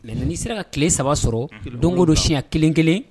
Lɛnɛnɛn' sera ka tile saba sɔrɔ dongo don siɲɛ kelen kelen